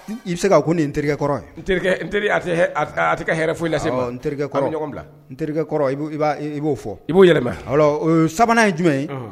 I bɛ se ka fo nin ye n terikɛ kɔrɔ ye, n terikɛ, n eterikɛɛ a tɛ ka hɛrɛ foyi lase an man, ni n terikɛ bɛ ɲɔgɔn bila, n teri terikɛ kɔrɔ i b'o fɔ i b'o yɛlma, o la sabanan ye jumɛn ye